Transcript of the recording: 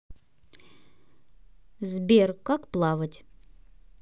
сбер как плавать